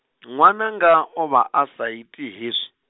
nwananga o vha a sa iti hezwi.